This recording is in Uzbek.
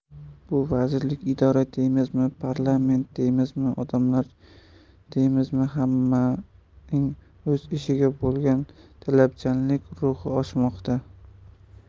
bu vazirlik idora deymizmi parlament deymizmi odamlar deymizmi hammaning o'z ishiga bo'lgan talabchanlik ruhi oshmoqda